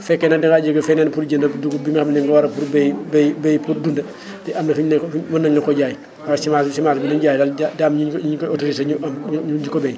bu fekkee nag da ngaa jógee feneen pour jënd dugub bi nga xam ne li nga war a pour béyi béyi béyi pour dund te am na fi ne ko mën nañu la ko jaay waaw si marché si marché ñu jaay la daa daa am ñu ñu fa autorisé ñu am ñu di ko béy